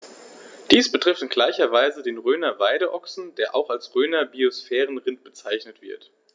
Dies betrifft in gleicher Weise den Rhöner Weideochsen, der auch als Rhöner Biosphärenrind bezeichnet wird.